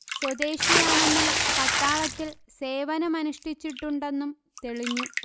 സ്വദേശിയാണെന്നും പട്ടാളത്തിൽ സേവനമനുഷ്ഠിച്ചിട്ടുണ്ടെന്നും തെളിഞ്ഞു